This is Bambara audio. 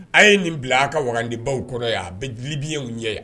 A ye nin bila aw ka wagabaw kɔrɔ ye a bɛ dibiyɛnw ɲɛ